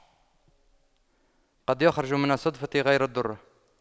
قد يخرج من الصدفة غير الدُّرَّة